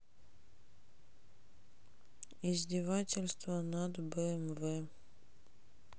издевательство над бмв